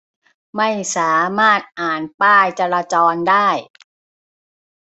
ไม่สามารถอ่านป้ายจราจรได้